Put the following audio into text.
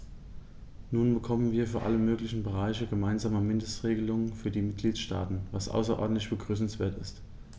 Nun bekommen wir für alle möglichen Bereiche gemeinsame Mindestregelungen für die Mitgliedstaaten, was außerordentlich begrüßenswert ist.